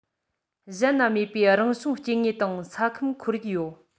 གཞན ན མེད པའི རང བྱུང སྐྱེ དངོས དང ས ཁམས ཁོར ཡུག ཡོད